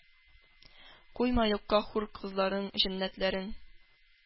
Куйма юкка хур кызларың, җәннәтләрең,